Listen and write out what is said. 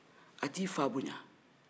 a ti fa boyan